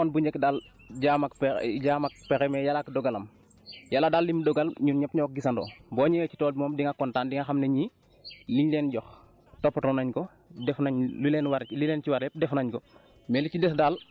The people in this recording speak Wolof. mais li li nga waxoon bu njëkk daal jaam ak pe jaam ak pexe mais yàlla ak dogalam yàlla daal li mu dogal ñun ñëpp ñoo ko gisandoo booñëwee si tool bi moom di nga kontaan di nga xam ne ñii liñ leen jox toppatoo nañ ko def nañ li leen war li leen ci war yëpp def nañ ko